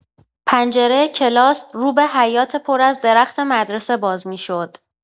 پنجره کلاس رو به حیاط پر از درخت مدرسه باز می‌شد.